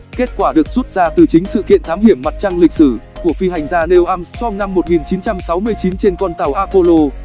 kết quả được rút ra từ chính sự kiện thám hiểm mặt trăng lịch sử của phi hành gia neil amstrong năm trên con tàu apollo